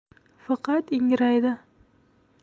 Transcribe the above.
faqat ingraydi